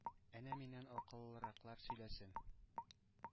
Әнә, миннән акыллыраклар сөйләсен